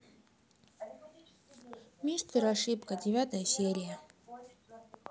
мистер ошибка девятая серия